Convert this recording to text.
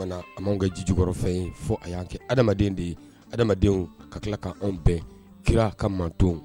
Kɛ ji jukɔrɔfɛn in fɔ a y'an kɛ adama de ye adamadenw ka tila ka anw bɛɛ kira ka man